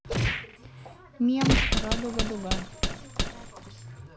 мем радуга дуга